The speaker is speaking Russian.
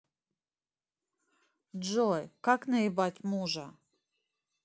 джой как наебать мужа